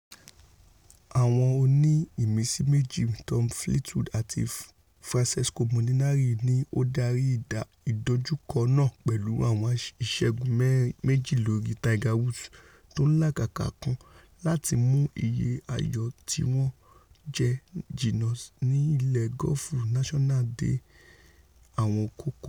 Àwọn oní-ìmísí méjì Tommy Fleetwood àti Francesco Molinari ni o darí ìdojúkọ náà pẹ̀lú àwọn ìṣẹ́gun méji lórí Tiger Woods tó ńlàkàkà kan láti mú iye ayò tíwọn jẹ́ jìnnà ní Le Golf National dé àwọn kókó mẹ̵́rin.